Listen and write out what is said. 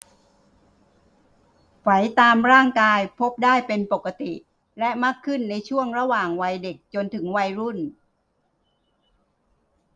ไฝตามร่างกายพบได้เป็นปกติและมักขึ้นในช่วงระหว่างวัยเด็กจนถึงวัยรุ่น